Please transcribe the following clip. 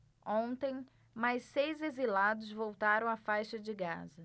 ontem mais seis exilados voltaram à faixa de gaza